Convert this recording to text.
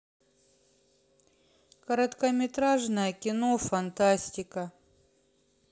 короткометражное кино фантастика